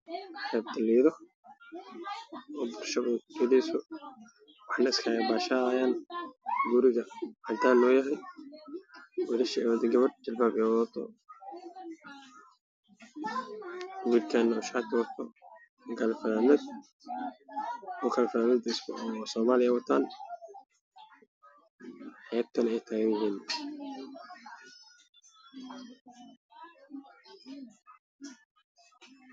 Halkaan waa xeebta liido